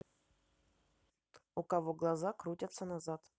у кого глаза крутятся назад